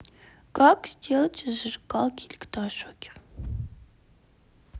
как сделать из зажигалки электрошокер